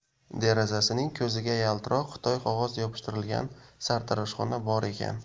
derazasining ko'ziga yaltiroq xitoy qog'oz yopishtirilgan sartaroshxona bor ekan